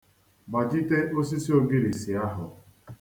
Gbajite osisi ogirisi ahụ.